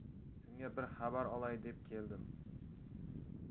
shunga bir xabar olay deb keldim